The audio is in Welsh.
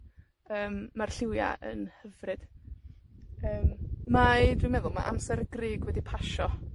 Yym, ma'r lliwia' yn hyfryd. Yym, mae, dwi'n meddwl ma' amser y grug wedi pasio.